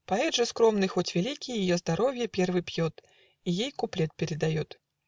Поэт же скромный, хоть великий, Ее здоровье первый пьет И ей куплет передает.